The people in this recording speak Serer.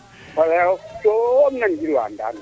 fa layof soom um nangilwaa Ndane